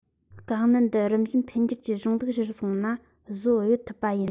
དཀའ གནད འདི རིམ བཞིན འཕེལ འགྱུར གྱི གཞུང ལུགས གཞིར བཟུང ན གཟོད གཡོལ ཐུབ པ ཡིན